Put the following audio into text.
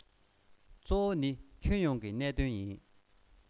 གཙོ བོ ནི ཁྱོན ཡོངས ཀྱི གནད དོན ཡིན